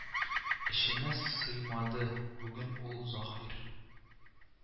Эченә сыймады, бүген ул заһир